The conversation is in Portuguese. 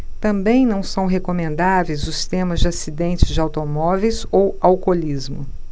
também não são recomendáveis os temas de acidentes de automóveis ou alcoolismo